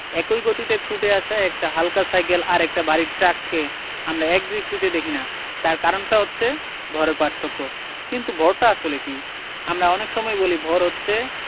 একই গতিতে ছুটে আসা একটা হালকা সাইকেল আর একটা ভারী ট্রাককে আমরা একদৃষ্টিতে দেখি না তার কারণটা হচ্ছে ভরের পার্থক্য কিন্তু ভরটা আসলে কী আমরা অনেক সময়েই বলি ভর হচ্ছে